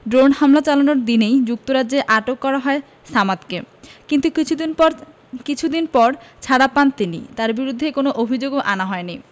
drone হামলা চালানোর দিনই যুক্তরাজ্যে আটক করা হয় সামাদকে কিন্তু কিছুদিন কিছুদিন পর ছাড়া পান তিনি তাঁর বিরুদ্ধে কোনো অভিযোগও আনা হয়নি